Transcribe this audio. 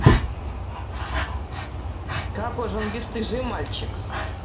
какой он бестыжий мальчик